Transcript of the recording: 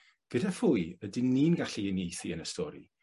gyda phwy ydyn ni'n gallu uniaethu yn y stori?